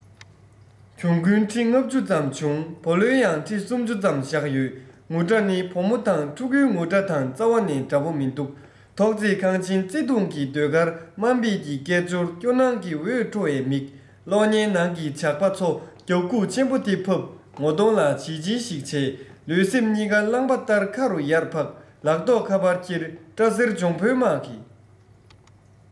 གྱོང གུན ཁྲི ལྔ བཅུ ཙམ བྱུང བུ ལོན ཡང ཁྲི སུམ ཅུ ཙམ བཞག ཡོད ངུ སྒྲ ནི བུ མོ དང ཕྲུ གུའི ངུ སྒྲ དང རྩ བ ནས འདྲ པོ མི འདུག ཐོག བརྩེགས ཁང ཆེན བརྩེ དུང གི ཟློས གར དམའ འབེབས ཀྱི སྐད ཅོར སྐྱོ སྣང གི འོད འཕྲོ བའི མིག གློག བརྙན ནང གི ཇག པ ཚོ རྒྱབ ཁུག ཆེན པོ དེ ཕབ ངོ གདོང ལ བྱིལ བྱིལ ཞིག བྱས ལུས སེམས གཉིས ཀ རླངས པ ལྟར མཁའ རུ ཡར འཕགས ལག ཐོགས ཁ པར འཁྱེར སྐྲ སེར འབྱུང བོའི དམག གིས